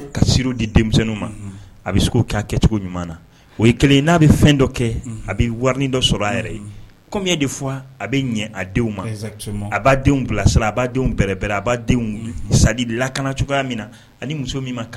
Kɛ a bɛ wari dɔ sɔrɔ a yɛrɛya de a bɛ ɲɛ a denw ma a b'a bila sara a' denw bɛ bɛ a' denw sa lakana cogoya min na ani muso min